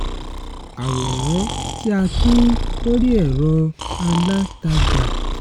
Àwòrán tí a pín lórí ẹ̀rọ-alátagbà.